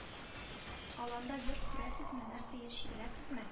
Аланда йорт күрәсезме нәрсә яши беләсезме